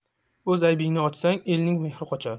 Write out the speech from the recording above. o'z aybingni ochsang elning mehri qochar